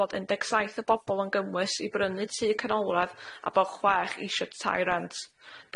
bod un deg saith o bobol yn gymwys i brynu tŷ canolradd a bo' chwech isho tai rent.